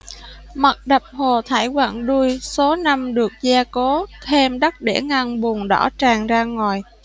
mặt đập hồ thải quặng đuôi số năm được gia cố thêm đất để ngăn bùn đỏ tràn ra ngoài